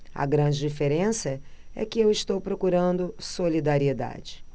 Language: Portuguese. a grande diferença é que eu estou procurando solidariedade